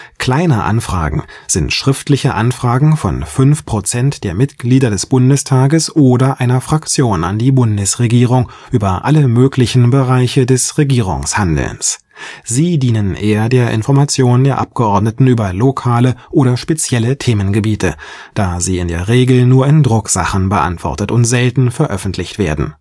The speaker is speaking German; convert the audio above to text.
Kleine Anfragen sind schriftliche Anfragen von fünf Prozent der Mitglieder des Bundestages oder einer Fraktion an die Bundesregierung über alle möglichen Bereiche des Regierungshandelns. Sie dienen eher der Information der Abgeordneten über lokale oder spezielle Themengebiete, da sie in der Regel nur in Drucksachen beantwortet und selten veröffentlicht werden